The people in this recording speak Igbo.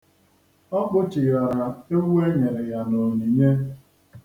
Ọ kpụchighara ewu e nyere ya n'onyniye.